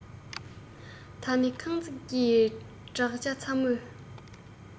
ད ནི ཁང བརྩེགས ཀྱི བྲག ཅ ཚ མོས